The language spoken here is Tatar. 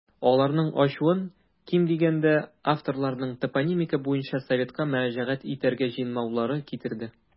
Аларның ачуын, ким дигәндә, авторларның топонимика буенча советка мөрәҗәгать итәргә җыенмаулары китерде.